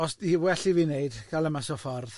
Os yw well i fi wneud, cael e mas o ffordd.